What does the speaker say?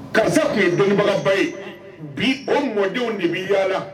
Karisa tun ye donbagaba ye bi o mɔdenw de bɛ yaala